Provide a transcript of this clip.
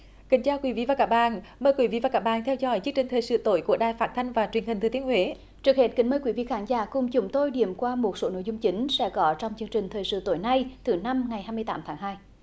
kính chào quý vị và các bạn mời quý vị và các bạn theo dõi chương trình thời sự tối của đài phát thanh và truyền hình thừa thiên huế trước hết kính mời quý vị khán giả cùng chúng tôi điểm qua một số nội dung chính sẽ có trong chương trình thời sự tối nay thứ năm ngày hai mươi tám tháng hai